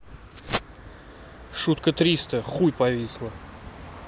шутка триста хуй повисла